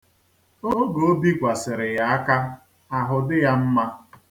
Oge o bikwasịrị ya aka, ahụ adị ya mma.